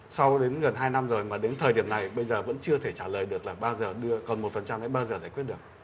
sau đến gần hai năm rồi mà đến thời điểm này bây giờ vẫn chưa thể trả lời được là bao giờ đưa còn một phần trăm đến bao giờ giải quyết được